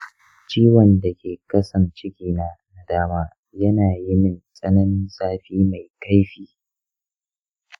ciwon da ke ƙasan cikina na dama yana yi min tsananin zafi mai kaifi.